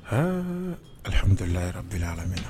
H alihamdulilalara deli alamina na